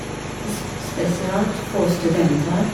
isp Spesielt for studenter.